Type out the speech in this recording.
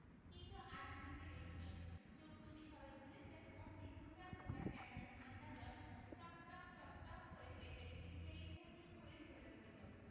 কিন্তু আধ মিনিটের বেশি নয় চোখ দুটি সবে বুজেছেন অমনি দু চার ফোঁটা তেমনি ঠাণ্ডা জল টপটপ টপটপ কর পেটের ঠিক সেই স্থানটির উপরেই ঝরে পড়ল